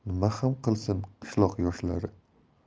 keyin nima ham qilsin qishloq yoshlari